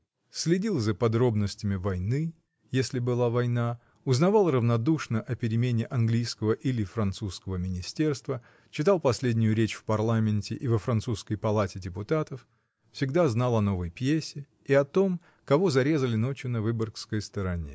следил за подробностями войны, если была война, узнавал равнодушно о перемене английского или французского министерства, читал последнюю речь в парламенте и во французской палате депутатов, всегда знал о новой пиесе и о том, кого зарезали ночью на Выборгской стороне.